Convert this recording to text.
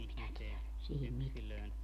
en minä tiedä siihen mitään